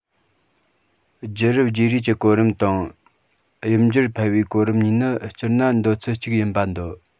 རྒྱུད རབས བརྗེ རེས ཀྱི གོ རིམ དང དབྱིབས འགྱུར ཕལ བའི གོམ རིམ གཉིས ནི སྤྱིར ན འདོད ཚུལ གཅིག ཡིན པ འདི